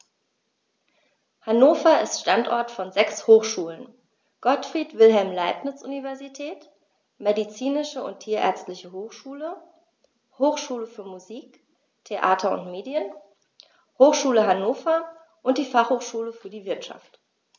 Hannover ist Standort von sechs Hochschulen: Gottfried Wilhelm Leibniz Universität, Medizinische und Tierärztliche Hochschule, Hochschule für Musik, Theater und Medien, Hochschule Hannover und die Fachhochschule für die Wirtschaft.